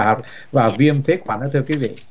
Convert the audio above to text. và viêm phế quản đó thưa quý vị